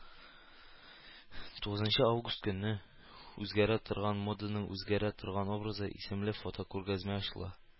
Тугызынчы август көнне “Үзгәрә торган моданың үзгәрә торган образы” исемле фотокүргәзмә ачыла